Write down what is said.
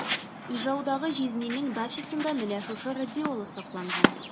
Ижаудагы җизнинең дачасында менә шушы радиола сакланган.